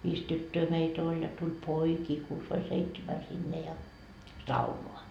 viisi tyttöä meitä oli ja tuli poikia kuusi vai seitsemän sinne ja saunaan